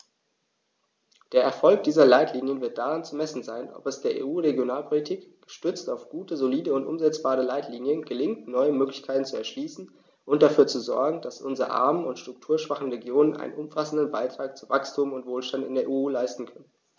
Der Erfolg dieser Leitlinien wird daran zu messen sein, ob es der EU-Regionalpolitik, gestützt auf gute, solide und umsetzbare Leitlinien, gelingt, neue Möglichkeiten zu erschließen und dafür zu sorgen, dass unsere armen und strukturschwachen Regionen einen umfassenden Beitrag zu Wachstum und Wohlstand in der EU leisten können.